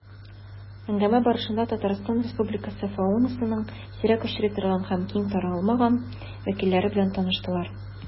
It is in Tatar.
Әңгәмә барышында Татарстан Республикасы фаунасының сирәк очрый торган һәм киң таралмаган вәкилләре белән таныштылар.